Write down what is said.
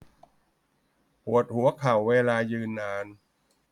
ปวดหัวเข่าเวลายืนนาน